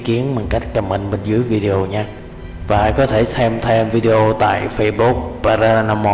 bằng cách comment bên dưới video nhé và có thể xem thêm video này tại facebook paranormal light